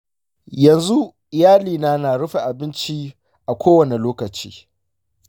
yanzu iyalina na rufe abinci a kowane lokaci.